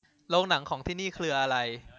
โรงหนังของที่นี่เครืออะไร